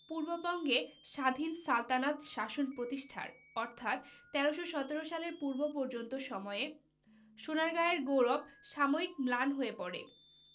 পূর্ববঙ্গে স্বাধীন সালতানাত শাসন প্রতিষ্ঠার অর্থাৎ ১৩১৭ সালের পূর্ব পর্যন্ত সময়ে সোনারগাঁয়ের গৌরব সাময়িক ম্লান হয়ে পড়ে